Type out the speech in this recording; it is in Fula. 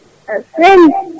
aɗa selli